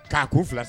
K'a kun fila sisan